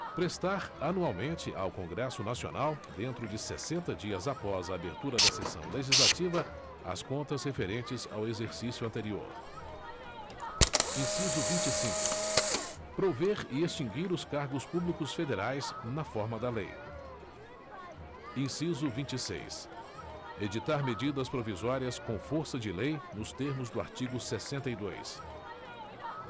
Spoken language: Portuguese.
prestar anualmente ao congresso nacional dentro de sessenta dias após a abertura da sessão legislativa as contas referentes ao exercício anterior inciso vinte e cinco prover e extinguir os cargos públicos federais na forma da lei inciso vinte e seis editar medidas provisórias com força de lei nos termos do artigo sessenta e dois